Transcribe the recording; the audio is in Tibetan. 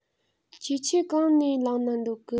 ཁྱེད ཆོས གང ནས བླངས ན འདོད གི